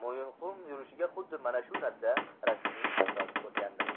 mo'yinqum yurishi ga xuddi mana shu narsa rasmiy asos bo'lgandi